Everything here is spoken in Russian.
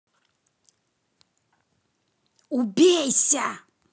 убейся